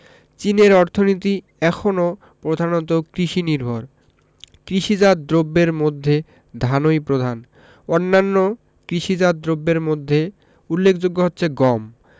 চীনের অর্থনীতি এখনো প্রধানত কৃষিনির্ভর কৃষিজাত দ্রব্যের মধ্যে ধানই প্রধান অন্যান্য কৃষিজাত দ্রব্যের মধ্যে উল্লেখযোগ্য হচ্ছে গম